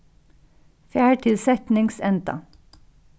far til setningsenda